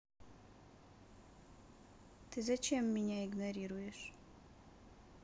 ты зачем меня игнорируешь